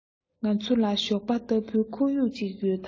ང ཚོ ལ ཞོགས པ ལྟ བུའི ཁོར ཡུག ཅིག ཡོད དམ